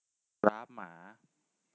กราฟหมา